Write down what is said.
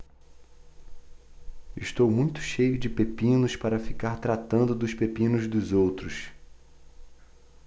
estou muito cheio de pepinos para ficar tratando dos pepinos dos outros